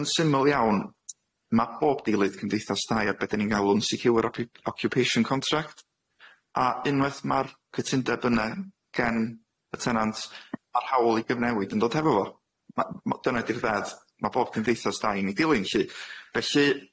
Yn syml iawn ma' bob deilydd cymdeithas dai ar be' dan ni'n ga'l on secure occup- occupation contract a unwaith ma'r cytundeb yne gen y tenant ma'r hawl i gyfnewid yn dod hefo fo. Ma' ma' dyna di'r ddedd ma' bob cymdeithas dai yn ei dilyn lly felly.